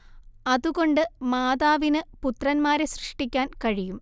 അതുകൊണ്ട് മാതാവിന് പുത്രന്മാരെ സൃഷ്ടിക്കാൻ കഴിയും